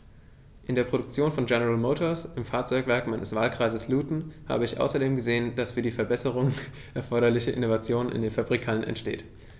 In der Produktion von General Motors, im Fahrzeugwerk meines Wahlkreises Luton, habe ich außerdem gesehen, dass die für Verbesserungen erforderliche Innovation in den Fabrikhallen entsteht.